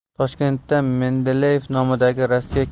toshkentda mendeleyev nomidagi rossiya